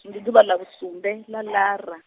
ndi ḓuvha ḽa vhusumbe ḽa ḽara.